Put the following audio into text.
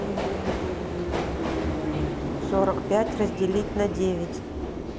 сорок пять разделить на девять